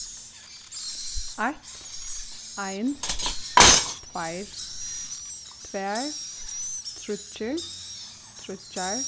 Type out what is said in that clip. eitt ein tveir tvær tríggir tríggjar